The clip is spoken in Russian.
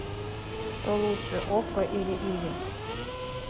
что лучше окко или иви